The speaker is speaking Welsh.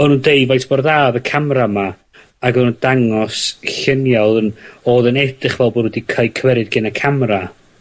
O'n nw'n deu faint mor dda odd y camera 'ma, ag o'n nw'n dangos llunia' odd yn odd yn edrych fel bo' nw 'di cae' cymeryd gen y camera...